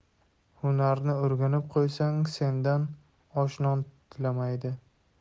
hunarni o'rganib qo'ysang sendan osh non tilamaydi